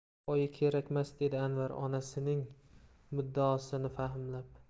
oyi kerakmas dedi anvar onasining muddaosini fahmlab